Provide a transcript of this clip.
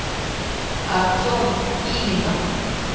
артем пименов